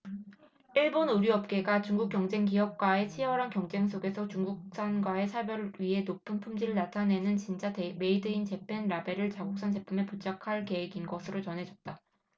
일본 의류업계가 중국 경쟁 기업과의 치열한 경쟁 속에서 중국산과의 차별을 위해 높은 품질을 나타내는 진짜 메이드 인 재팬 라벨을 자국산 제품에 부착할 계획인 것으로 전해졌다